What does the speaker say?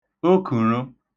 okə̀ṙo